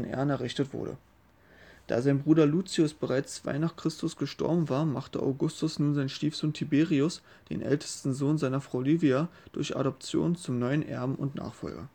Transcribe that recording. Ehren errichtet wurde. Da sein Bruder Lucius bereits 2 n. Chr. gestorben war, machte Augustus nun seinen Stiefsohn Tiberius, den ältesten Sohn seiner Frau Livia, durch Adoption zum neuen Erben und Nachfolger